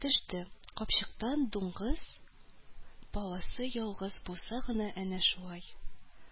Төште: капчыкта дуңгыз баласы ялгыз булса гына әнә шулай